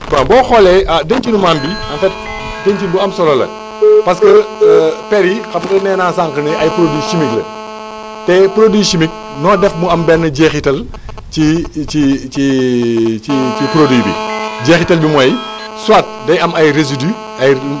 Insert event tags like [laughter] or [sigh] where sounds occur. [noise] waaw boo xoolee ah [noise] dencinu maam bi en fait [noise] dencin bu am solo la [noise] parce que [hesitation] per yi xam nga nee naa sànq ne ay produit chimique la [noise] te produit chimique noo def mu am benn jeexital ci ci ci [hesitation] ci ci produit bi [noise] jeexital bi mooy soit day am ay résidus ay